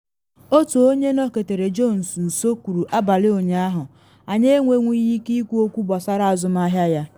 Otu onye nọketere Jones nso kwuru abalị ụnyahụ “Anyị enwenwughi ike ikwu okwu gbasara azụmahịa ya.”